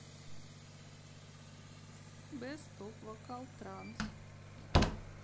бест оф вокал транс